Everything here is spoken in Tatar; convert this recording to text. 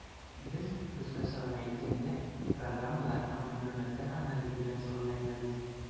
Без, кыскача гына әйткәндә, программалар һәм мәгълүматлар анализы белән шөгыльләнәбез.